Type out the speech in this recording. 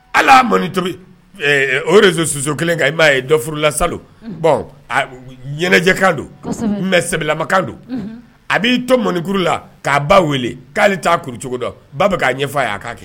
Ala mɔni tobi o de don susu kelen kan i m'a ye dɔf furula sa bɔn ɲɛnajɛkan don mɛ sɛbɛnlamakan don a b'i to mɔnikuru la k'a ba wele k'ale t'a kuru cogoda ba k'a ɲɛfɔ y'a'a kɛ